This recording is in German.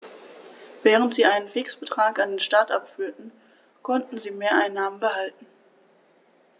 Während sie einen Fixbetrag an den Staat abführten, konnten sie Mehreinnahmen behalten.